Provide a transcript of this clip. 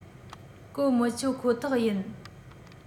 གོ མི ཆོད ཁོ ཐག ཡིན